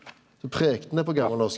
så preika er på gamalnorsk.